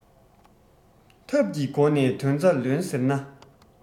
ཐབས ཀྱི སྒོ ནས དོན རྩ ལོན ཟེར ན